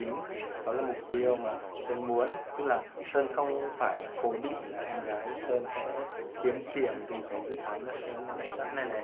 đó chính là mục tiêu sơn muốn sơn không cố định là em gái sơn sẽ kiếm tiền từ dự án sơn vạch sẵn